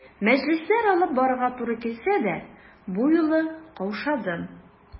Мәҗлесләр алып барырга туры килсә дә, бу юлы каушадым.